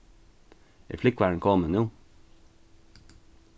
er flúgvarin komin nú